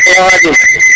Khadim